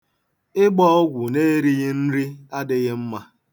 Ịgba ọgwụ n'erighị nri adịghị mma.